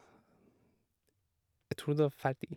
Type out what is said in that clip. Jeg tror det var ferdig.